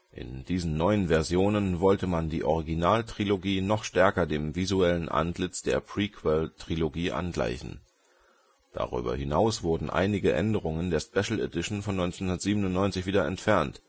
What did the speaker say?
In diesen neuen Versionen wollte man die Originaltrilogie noch stärker dem visuellen Antlitz der Prequel-Trilogie angleichen. Darüber hinaus wurden einige Änderungen der Special Edition von 1997 wieder entfernt